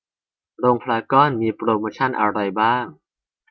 โรงพารากอนมีโปรโมชันอะไรบ้าง